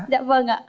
dạ vâng ạ